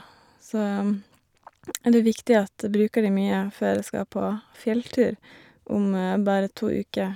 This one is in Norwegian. Så er det viktig at jeg bruker de mye før jeg skal på fjelltur om bare to uker.